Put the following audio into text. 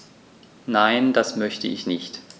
Nein, das möchte ich nicht.